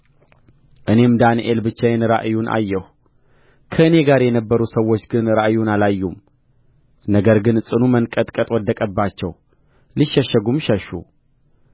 እኔም ዳንኤል ብቻዬን ራእዩን አየሁ ከእኔ ጋር የነበሩ ሰዎች ግን ራእዩን አላዩም ነገር ግን ጽኑ መንቀጥቀጥ ወደቀባቸው ሊሸሸጉም ሸሹ